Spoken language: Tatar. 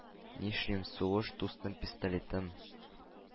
Нишлим, сугыш дустым-пистолетым